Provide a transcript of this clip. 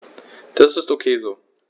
Das ist ok so.